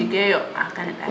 to njike yo xa kaneta xe